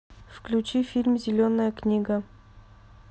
включи фильм зеленая книга